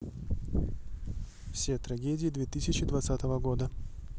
все трагедии две тысячи двадцатого года